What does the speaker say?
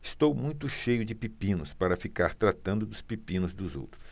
estou muito cheio de pepinos para ficar tratando dos pepinos dos outros